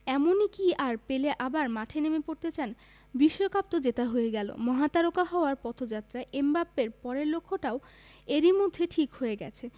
এমনি এমনি কি আর পেলে আবার মাঠে নেমে পড়তে চান বিশ্বকাপ তো জেতা হয়ে গেল মহাতারকা হওয়ার পথযাত্রায় এমবাপ্পের পরের লক্ষ্যটাও এরই মধ্যে ঠিক হয়ে গেছে